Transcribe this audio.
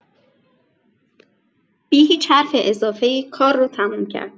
بی‌هیچ حرف اضافه‌ای کار رو تموم کرد.